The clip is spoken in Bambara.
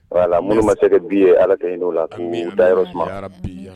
Voilà minnu ma se ka bi ye Ala ka hin'u la k'u da yɔrɔ suma ami ami yarabi